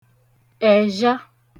ẹ̀zha